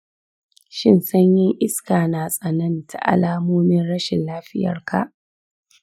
shin sanyin iska na tsananta alamomin rashin lafiyarka?